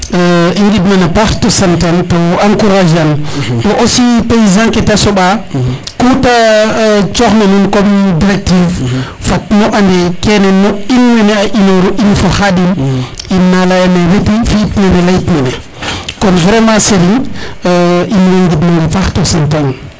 i ngid man a paax te sant an to encourager an toa aussi paysan ke te soɓa ku te coxna nuun comme directive fat nu ande kene no in wene a inoru in fo Khadim ina leyane reti fi it nene leyit nene kon vraiment serigne in way ngid mang a paax to sant an